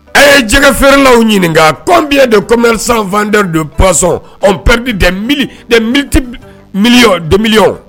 A ye jɛgɛ fɛrɛɛrɛlaw ɲininka kɔnmbiye de commeri2d don pasɔn ɔpte dɛ miti miyanbiliyan